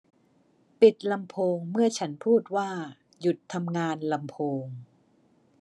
ปิดลำโพงเมื่อฉันพูดว่าหยุดทำงานลำโพง